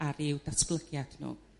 ar u'w datblygiad nhw.